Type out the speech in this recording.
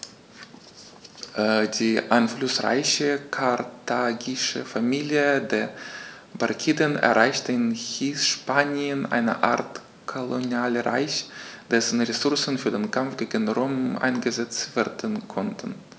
Die einflussreiche karthagische Familie der Barkiden errichtete in Hispanien eine Art Kolonialreich, dessen Ressourcen für den Kampf gegen Rom eingesetzt werden konnten.